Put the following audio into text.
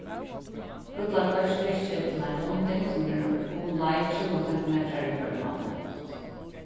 rulla hvørt stykki til ein runding sum er umleið tjúgu sentimetrar í tvørmáti